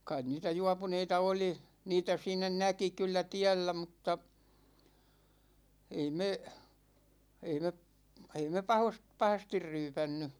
kai niitä juopuneita oli niitä siinä näki kyllä tiellä mutta ei me ei me - ei me - pahasti ryypännyt